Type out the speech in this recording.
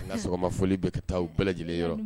N ka sɔgɔma fɔli bɛ ka taa u bɛɛ lajɛlen yɔrɔ.